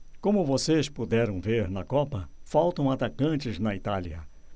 como vocês puderam ver na copa faltam atacantes na itália